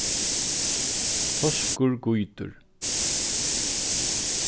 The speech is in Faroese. toskur gýtir